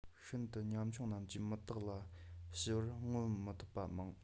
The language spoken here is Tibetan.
ཤིན ཏུ ཉམ ཆུང རྣམས ཀྱིས མི བདག ལ ཞུ བར རྔོ མི ཐོགས པ མང